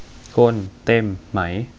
คนเต็มไหม